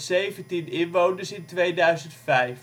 4417 inwoners (2005